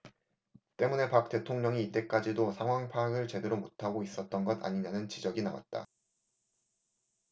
때문에 박 대통령이 이때까지도 상황 파악을 제대로 못하고 있었던 것 아니냐는 지적이 나왔다